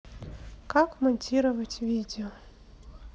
как монтировать видео